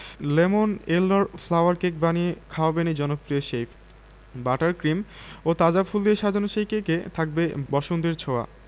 lemon elder flower cake বানিয়ে খাওয়াবেন এই জনপ্রিয় শেফ বাটার ক্রিম ও তাজা ফুল দিয়ে সাজানো সেই কেকে থাকবে বসন্তের ছোঁয়া